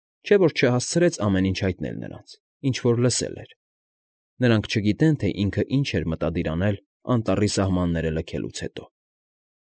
Չէ՞ որ չհասցրեց ամեն ինչ հայտնել նրանց, ինչ որ լսել էր, նրանք չգիտեն, թե ինքը ինչ էր մտադիր անել անտառի սահմանները լքելուց հետո։